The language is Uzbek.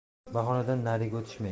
bahonadan nariga o'tishmaydi